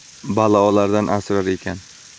balolardan asrar ekan